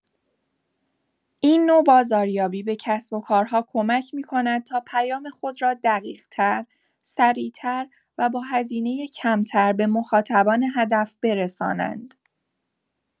این نوع بازاریابی به کسب‌وکارها کمک می‌کند تا پیام خود را دقیق‌تر، سریع‌تر و با هزینه کمتر به مخاطبان هدف برسانند.